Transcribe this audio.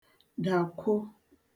dàkwo